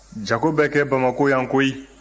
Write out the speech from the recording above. jago bɛ kɛ bamakɔ yan koyi